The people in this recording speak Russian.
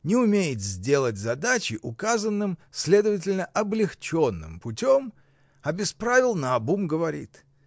— Не умеет сделать задачи указанным, следовательно, облегченным путем, а без правил наобум говорит.